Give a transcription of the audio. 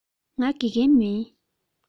ང དགེ རྒན མིན